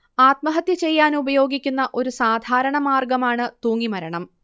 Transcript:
ആത്മഹത്യ ചെയ്യാനുപയോഗിക്കുന്ന ഒരു സാധാരണ മാർഗ്ഗമാണ് തൂങ്ങി മരണം